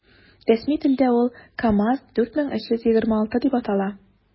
Рәсми телдә ул “КамАЗ- 4326” дип атала.